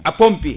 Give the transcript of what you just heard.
a pompi